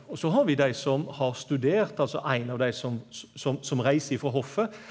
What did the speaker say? og så har vi dei som har studert altså ein av dei som som som reiser ifrå hoffet.